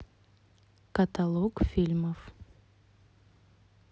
каталог фильмов